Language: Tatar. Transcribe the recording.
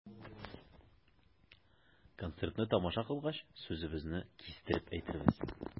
Концертны тамаша кылгач, сүзебезне кистереп әйтербез.